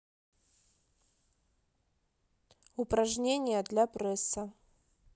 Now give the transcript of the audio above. упражнения для пресса